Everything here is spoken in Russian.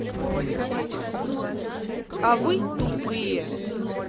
а вы тупые